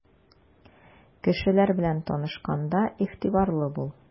Кешеләр белән танышканда игътибарлы бул.